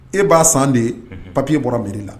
E b'a san de, unhun, papier bɔra mairie la